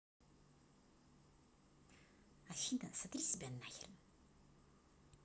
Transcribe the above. афина сотри себя нахрен